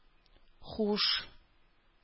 Һуш